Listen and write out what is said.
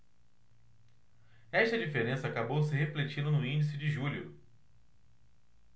esta diferença acabou se refletindo no índice de julho